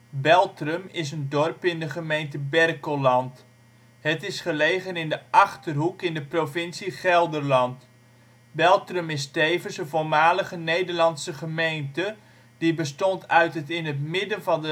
Beltrum is een dorp in de gemeente Berkelland. Het is gelegen in de Achterhoek in de provincie Gelderland. Beltrum is tevens een voormalige Nederlandse gemeente, die bestond uit het in het midden van